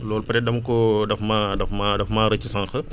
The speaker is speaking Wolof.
loolu peut être da nga koo daf maa daf maa rëcc sànq